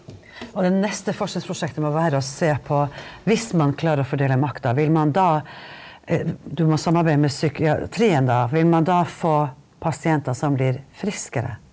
det neste forskningsprosjektet må være å se på hvis man klarer å fordele makta, vil man da du må samarbeide med psykiatrien da vil man da få pasienter som blir friskere.